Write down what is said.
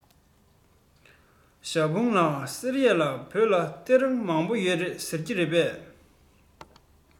ཞའོ ཧྥུང ལགས ཟེར ཡས ལ བོད ལ གཏེར མང པོ ཡོད རེད ཟེར གྱིས རེད པས